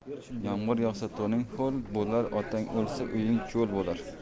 yomg'ir yog'sa to'ning ho'l bo'lar otang o'lsa uying cho'l bo'lar